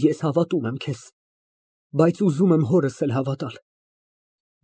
Ես հավատում եմ քեզ, բայց ուզում եմ հորս էլ հավատալ։